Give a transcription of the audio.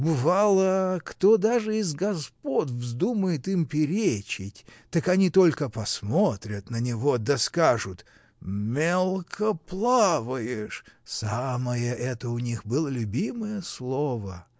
Бывало, кто даже из господ вздумает им перечить, так они только посмотрят на него да скажут: "Мелко плаваешь", -- самое это у них было любимое слово.